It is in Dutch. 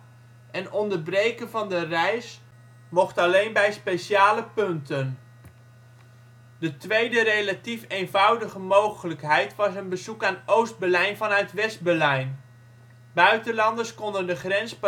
onderbreken van de reis mocht alleen bij speciale punten. De tweede relatief eenvoudige mogelijkheid was een bezoek aan Oost-Berlijn vanuit West-Berlijn. Buitenlanders konden de grens